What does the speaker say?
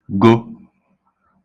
-go